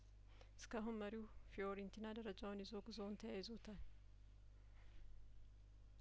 እስካሁን መሪው ፊዮሬንቲና ደረጃውን ይዞ ጉዞውን ተያይዞታል